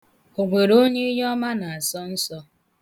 O nwere onye ihe ọma na-asọ nsọ?